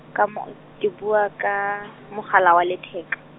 ka mo-, ke bua ka , mogala wa lethe.